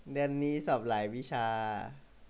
เดือนนี้สอบหลายวิชา